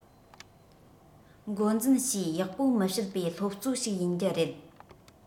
འགོ འཛིན བྱས ཡག པོ མི བྱེད པའི སློབ གཙོ ཞིག ཡིན རྒྱུ རེད